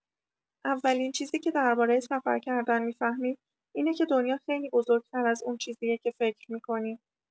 اولین چیزی که درباره سفر کردن می‌فهمی اینه که دنیا خیلی بزرگ‌تر از اون چیزیه که فکر می‌کنی.